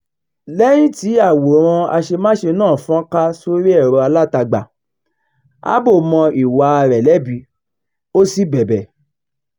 Lẹ́yìn tí àwòrán càṣemáṣe náà fọ́n ká sórí ẹ̀rọ alátagbà, Abbo offered mọ ìwàa rẹ̀ lẹ́bí, ó sì bẹ̀bẹ̀.